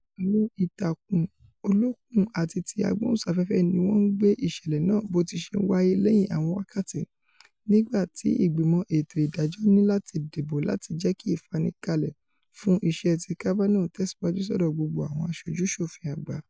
Àwọn ìtàkùn olókùn àti ti agbóhùnsáfẹ́fẹ́ ní wọ́n ńgbé ìṣẹ̀lẹ̀ náà bótiṣe ńwáyé lẹ́yìn àwọn wákàtí, nígbà tí Ìgbìmọ̀ Ètò Ìdájọ́ ní láti dìbò láti jẹ́kí ìfanikalẹ̀ fún iṣẹ́ ti Kavanaugh tẹ̀síwájú sọ́dọ̀ gbogbo àwọn Aṣojú-ṣòfin Àgbà.